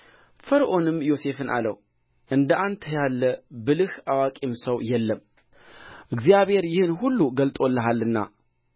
ፈርዖንም ዮሴፍን አለው እንደ አንተ ያለ ብልህ አዋቂም ሰው የለም እግዚአብሔር ይህን ሁሉ ገልጦልሃልና